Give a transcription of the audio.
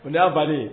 O y'a ban ye